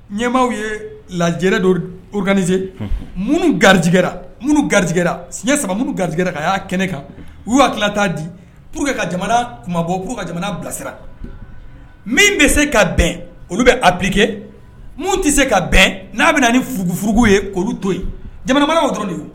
Ɲɛma ye lajɛ don ogsee minnu garijɛgɛ minnu garijɛ siɲɛ saba minnu garijɛra ka y'a kɛnɛ kan u' tila t'a di pur que ka jamana kuma bɔ'u ka jamana bilasira min bɛ se ka bɛn olu bɛ a bi kɛ minnu tɛ se ka bɛn n'a bɛ na ni fugufugu ye olu to yen jamanabaakaww jɔ de ye